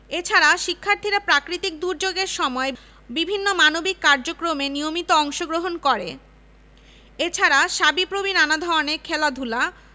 এছাড়া শিক্ষার্থীরা প্রাকৃতিক দূর্যোগের সময় বিভিন্ন মানবিক কার্যক্রমে নিয়মিত অংশগ্রহণ করে এছাড়া সাবিপ্রবি নানা ধরনের খেলাধুলা